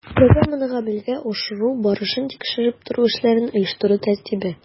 Программаны гамәлгә ашыру барышын тикшереп тору эшләрен оештыру тәртибе